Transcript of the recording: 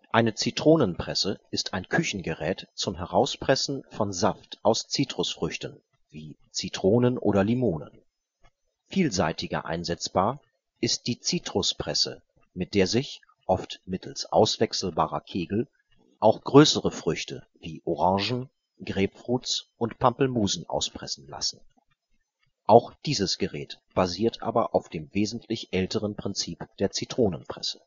Eine Zitronenpresse ist ein Küchengerät zum Herauspressen von Saft aus Zitrusfrüchten, wie Zitronen oder Limonen. Vielseitiger einsetzbar ist die Zitruspresse, mit der sich, oft mittels auswechselbarer Kegel, auch größere Früchte wie Orangen, Grapefruits und Pampelmusen auspressen lassen. Auch dieses Gerät basiert aber auf dem wesentlich älteren Prinzip der Zitronenpresse